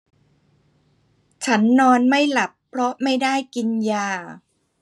ฉันนอนไม่หลับเพราะไม่ได้กินยา